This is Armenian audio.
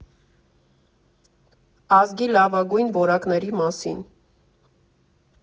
Ազգի լավագույն որակների մասին։